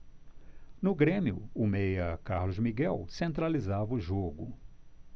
no grêmio o meia carlos miguel centralizava o jogo